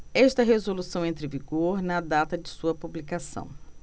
esta resolução entra em vigor na data de sua publicação